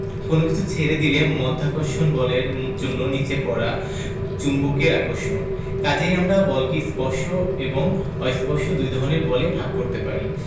কোনো কিছু ছেড়ে দিলে মাধ্যাকর্ষণ বলের জন্য নিচে পড়া চুম্বকের আকর্ষণ কাজেই আমরা বলকে স্পর্শ এবং অস্পর্শ দুই ধরনের বলে ভাগ করতে পারি